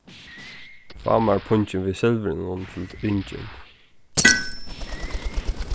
fá mær pungin við silvurinum til ringin